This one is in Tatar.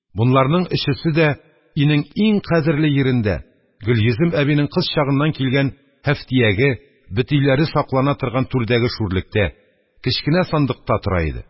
Бунларның өчесе дә өйнең иң кадерле йирендә, Гөлйөзем әбинең кыз чагыннан калган «Һәфтияге», бөтиләре саклана торган түрдәге шүрлектә, кечкенә сандыкта тора иде.